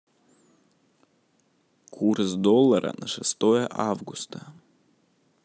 курс доллара на шестое августа